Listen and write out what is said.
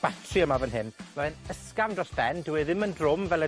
batri yma fyn hyn. Ma' fe'n ysgafn dros ben. Dyw e ddim yn drwm fel yr